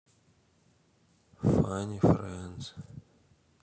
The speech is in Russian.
фани фрэндс